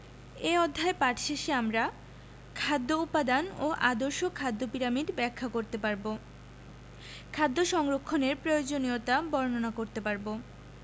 এ অধ্যায় পাঠ শেষে আমরা খাদ্য উপাদান ও আদর্শ খাদ্য পিরামিড ব্যাখ্যা করতে পারব খাদ্য সংরক্ষণের প্রয়োজনীয়তা বর্ণনা করতে পারব